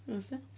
Iawn 'sti.